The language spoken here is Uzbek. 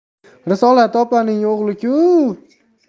risolat opaning o'g'li ku